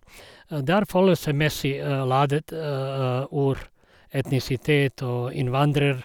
Og det er følelsesmessig ladet ord, etnisitet og innvandrer.